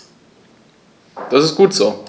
Das ist gut so.